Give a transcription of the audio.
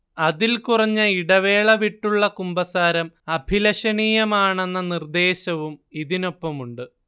അതിൽ കുറഞ്ഞ ഇടവേളവിട്ടുള്ള കുമ്പസാരം അഭിലഷണീയമാണെന്ന നിർദ്ദേശവും ഇതിനൊപ്പമുണ്ട്